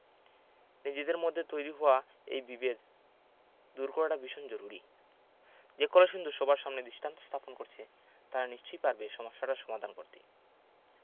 নিজেদের মধ্যে তৈরি হওয়া এই বিবেদ দূর করাটা বীষণ জরুরি যে কলসিন্দুর সবার সামনে দিষ্টান্ত স্থাপন করছে তারা নিশ্চয়ই পারবে সমস্যাটার সমাধান করতে